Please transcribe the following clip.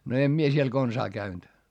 no en minä siellä konsaan käynyt